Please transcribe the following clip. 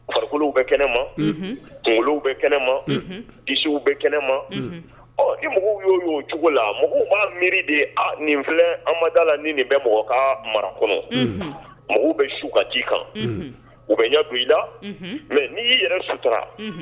Farikolow bɛ kɛnɛma kunkolow bɛ kɛnɛma kiw bɛ kɛnɛma ɔ ni mɔgɔw y'o y' o cogo la mɔgɔw b'a miiri de ye nin filɛ an mada la ni nin bɛ mɔgɔ ka mara kɔnɔ mɔgɔw bɛ su ka ji kan u bɛ ɲɛ don i la mɛ n' y'i yɛrɛ suta